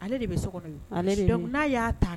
Ale de bɛ so' y'a